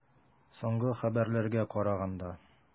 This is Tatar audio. Соңгы хәбәрләргә караганда.